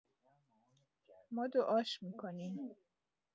ما دعاش می‌کنیم